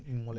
moo leen